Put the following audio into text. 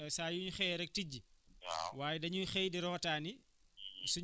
ndax tey bëri na ñoo xam ne tey amuñu robinet seen kër saa yu ñu xëyee rek tijji